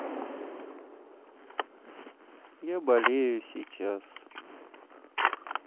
я болею сейчас